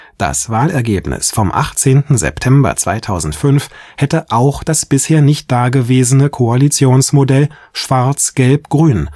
Das Wahlergebnis vom 18. September 2005 hätte auch das bisher nicht dagewesene Koalitionsmodell Schwarz-Gelb-Grün